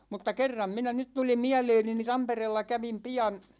mutta kerran minä nyt tuli mieleeni niin Tampereella kävin pian